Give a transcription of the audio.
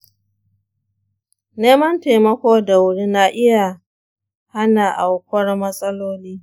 neman taimako da wuri na iya hana aukuwar matsaloli.